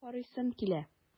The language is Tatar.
Карыйсым килә!